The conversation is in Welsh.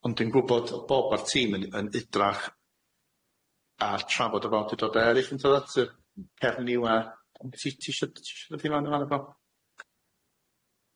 Ond dwi'n gwbod o'dd Bob o'r tîm yn yn idrach ar trafod o fod yy eryll yn doddat, yr Cernyw, on' ti ti isio ti isio ddod i mewn i fana Bob?